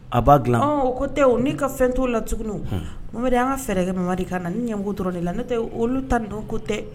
A b'a dilan ɔn k'o tɛ o ne ka fɛn t'o la tuguni Mohamed an ka fɛɛrɛ kɛ Maman de ka na, ne ɲɛ b'o dɔrɔn de la, n'o tɛ olu ta ninnu ko tɛ